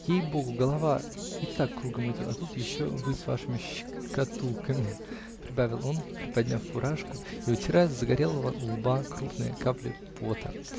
-- Ей-богу, голова и так кругом идет, а тут еще вы с вашими щикатулками, -- прибавил он, приподняв фуражку и утирая с загорелого лба крупные капли пота.